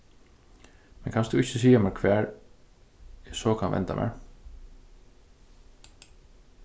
men kanst tú ikki siga mær hvar eg so kann venda mær